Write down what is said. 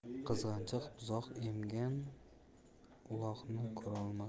qizg'anchiq buzoq emgan uloqni ko'rolmas